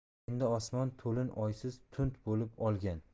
endi osmon to'lin oysiz tund bo'lib olgan